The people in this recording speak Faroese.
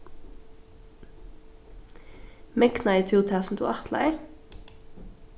megnaði tú tað sum tú ætlaði